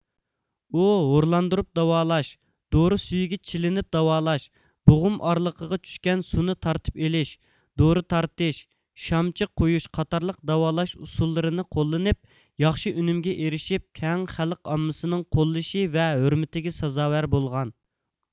ئۇ ھورلاندۇرۇپ داۋالاش دورا سۈيىگە چىلىنىپ داۋالاش بوغۇم ئارىلىقىغا چۈشكەن سۇنى تارتىپ ئېلىش دورا تارتىش شامچە قويۇش قاتارلىق داۋالاش ئۇسۇللىرىنى قوللىنىپ ياخشى ئۈنۈمگە ئېرىشىپ كەڭ خەلق ئاممىسىنىڭ قوللىشى ۋە ھۆرمىتىگە سازاۋەر بولغان